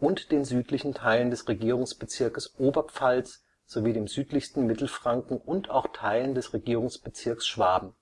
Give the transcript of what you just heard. und den südlichen Teilen des Regierungsbezirkes Oberpfalz sowie dem südlichsten Mittelfranken und auch Teilen des Regierungsbezirks Schwaben